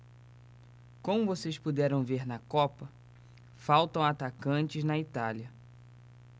como vocês puderam ver na copa faltam atacantes na itália